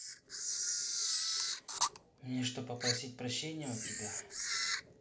мне что попросить прощения у тебя